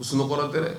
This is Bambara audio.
U sunɔkɔra dɛrɛ